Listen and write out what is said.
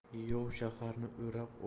yov shaharni o'rab